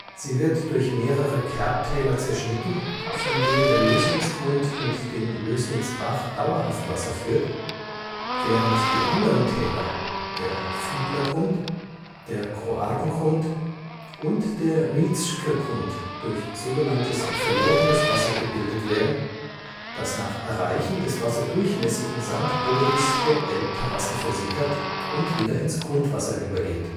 Sie wird durch mehrere Kerbtäler zerschnitten, von denen der Lößnitzgrund mit dem Lößnitzbach dauerhaft Wasser führt, während die anderen Täler, der Fiedlergrund, der Kroatengrund und der Rietzschkegrund durch sogenanntes Verlorenes Wasser gebildet werden, das nach Erreichen des wasserdurchlässigen Sandbodens der Elbterrassen versickert und wieder ins Grundwasser übergeht